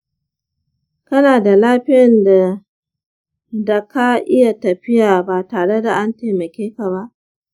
kana da lafiyan da daka iya tafiya ba tareda an taimakeka ba?